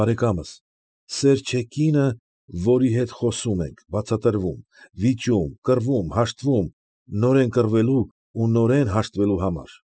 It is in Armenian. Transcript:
Բարեկամս, սեր չէ կինը, որի հետ խոսում ենք, բացատրվում, վիճում, կռվում, հաշտվում, նորեն կռվելու ու նորեն հաշտվելու համար։